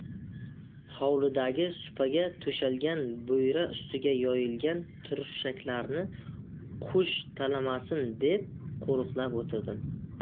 hovlidagi supaga to'shalgan bo'yra ustiga yoyilgan turshaklarni qush talamasin deb qo'riqlab o'tirdim